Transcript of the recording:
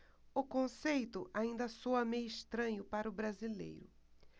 o conceito ainda soa meio estranho para o brasileiro